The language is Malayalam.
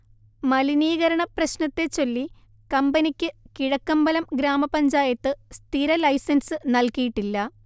മലിനീകരണപ്രശ്നത്തെച്ചൊല്ലി കമ്പനിക്ക് കിഴക്കമ്പലം ഗ്രാമപഞ്ചായത്ത് സ്ഥിരലൈസൻസ് നൽകിയിട്ടില്ല